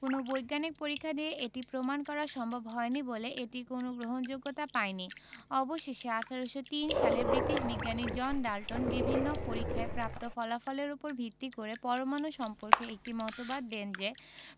কোনো বৈজ্ঞানিক পরীক্ষা দিয়ে এটি প্রমাণ করা সম্ভব হয়নি বলে এটি কোনো গ্রহণযোগ্যতা পায়নি অবশেষে ১৮০৩ সালে ব্রিটিশ বিজ্ঞানী জন ডাল্টন বিভিন্ন পরীক্ষায় প্রাপ্ত ফলাফলের উপর ভিত্তি করে পরমাণু সম্পর্কে একটি মতবাদ দেন যে